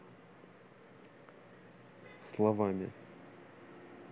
словами